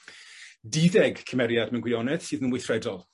Duddeg cymeriad mewn gwionedd sydd yn weithredol.